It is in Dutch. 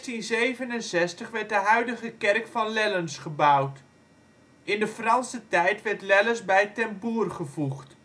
In 1667 werd de huidige kerk van Lellens gebouwd. In de Franse tijd werd Lellens bij Ten Boer gevoegd